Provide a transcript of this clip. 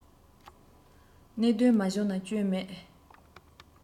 གནད དོན མ བྱུང ན སྐྱོན མེད